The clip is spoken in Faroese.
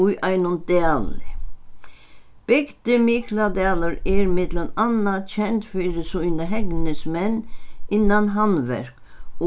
í einum dali bygdir mikladalur er millum annað kend fyri sína hegnismenn innan handverk